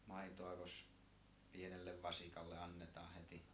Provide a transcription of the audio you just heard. maitoakos pienelle vasikalle annetaan heti